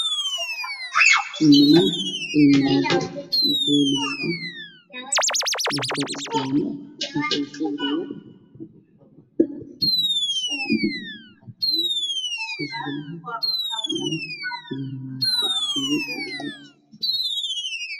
Waa xafiis waxaa joogo askar farabadan iyo nimo wato shaatiyaal suud ah askarta waxay wataan dhar boolis ah